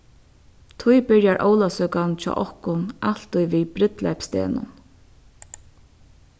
tí byrjar ólavsøkan hjá okkum altíð við brúdleypsdegnum